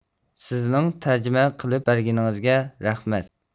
سىزنىڭ تەرجىمە قىلىپ بەرگىنىڭىزگە رەھمەت